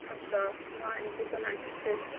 pasio mlaen i bw' bynnag sydd